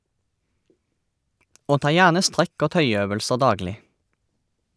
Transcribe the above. Og ta gjerne strekk- og tøyøvelser daglig.